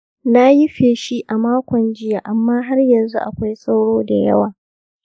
na yi feshi a makon jiya, amma har yanzu akwai sauro da yawa.